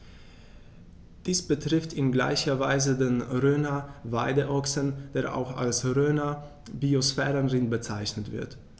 Dies betrifft in gleicher Weise den Rhöner Weideochsen, der auch als Rhöner Biosphärenrind bezeichnet wird.